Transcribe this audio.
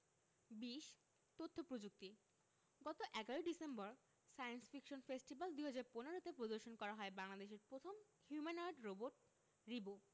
২০ তথ্য প্রযুক্তি গত ১১ ডিসেম্বর সায়েন্স ফিকশন ফেস্টিভ্যাল ২০১৫ তে প্রদর্শন করা হয় বাংলাদেশের প্রথম হিউম্যানোয়েড রোবট রিবো